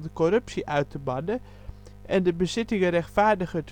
corruptie uit te bannen en de bezittingen rechtvaardiger